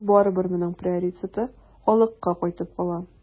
Ләкин барыбер моның приоритеты халыкка кайтып кала.